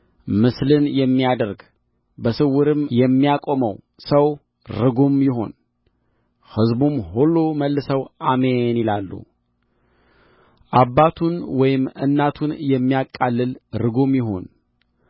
ምስልን የሚያደርግ በስውርም የሚያቆመው ሰው ርጉም ይሁን ሕዝቡም ሁሉ መልሰው አሜን ይላሉ አባቱን ወይም እናቱን የሚያቃልል ርጉም ይሁን